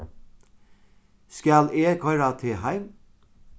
skal eg koyra teg heim